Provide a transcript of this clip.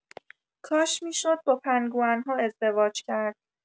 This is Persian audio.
کاش می‌شد با پنگوئن‌ها ازدواج کرد.